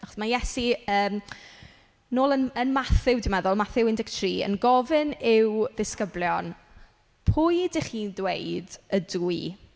Achos mae Iesu yym nôl yn- yn Mathew dwi'n meddwl, Mathew un deg tri, yn gofyn i'w ddisgyblion "pwy dach chi'n dweud ydw i?"